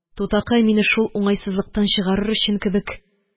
Тутакай, мине шул уңайсызлыктан чыгарыр өчен кебек